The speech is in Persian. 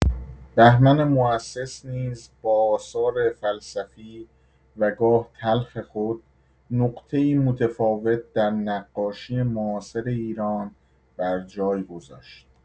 بهمن محصص نیز با آثار فلسفی و گاه تلخ خود، نقطه‌ای متفاوت در نقاشی معاصر ایران بر جای گذاشت.